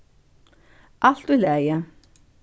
alt í lagi